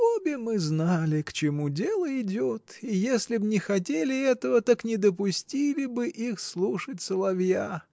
Обе мы знали, к чему дело идет, и если б не хотели этого — так не допустили бы их слушать соловья.